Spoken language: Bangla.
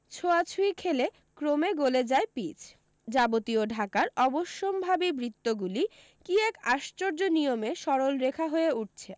ছোঁয়াছুঁয়ি খেলে ক্রমে গলে যায় পীচ যাবতীয় চাকার অবশ্যম্ভাবী বৃত্তগুলি কী এক আশ্চর্য নিয়মে সরল রেখা হয়ে উঠছে